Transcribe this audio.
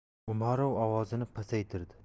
umarov ovozini pasaytirdi